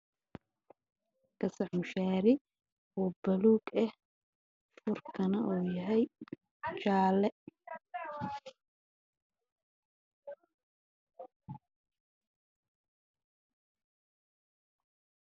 Waa supermarket waxaa yaalo caagada ku jiraan caano booro